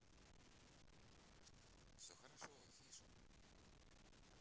все хорошо афина